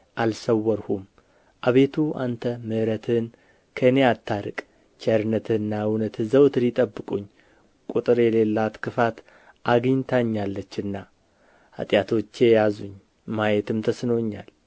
አልሰወርሁም አቤቱ አንተ ምሕረትህን ከእኔ አታርቅ ቸርነትህና እውነትህ ዘወትር ይጠብቁኝ ቍጥር የሌላት ክፋት አግኝታኛለችና ኃጢአቶቼ ያዙኝ ማየትም ተስኖኛል